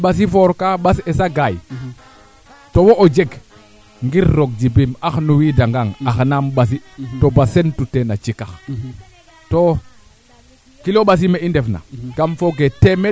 i ngenj nuwa nga na ten koy a wara waago tax xaƴa i an kee i mbarna o mbiyaa no ndiing in an kee i mbarno mbiya ten refu xar